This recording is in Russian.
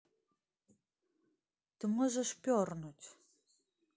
ты можешь пернуть